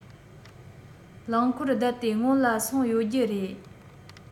རླངས འཁོར བསྡད དེ སྔོན ལ སོང ཡོད རྒྱུ རེད